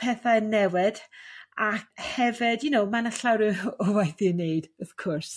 pethau'n newid a hefyd you know ma' 'na llawer o waith i i 'neud wrth cwrs